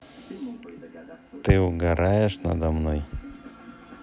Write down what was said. ты угораешь надо мной